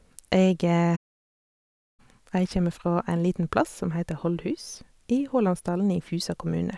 Jeg Jeg kjeme fra en liten plass som heter Holdhus i Hålandsdalen i Fusa kommune.